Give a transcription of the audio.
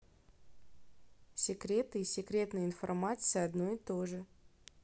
секреты и секретная информация одно и тоже